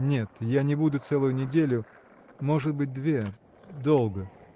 – Нет; я не буду целую неделю, может быть две. долго!.